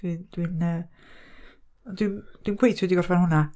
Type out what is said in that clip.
Dwi'n, dwi'n yy, dwi'm, dwi'm cweit wedi gorffen hwnna.